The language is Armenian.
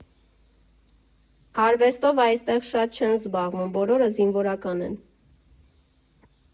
Արվեստով այստեղ շատ չեն զբաղվում, բոլորը զինվորական են։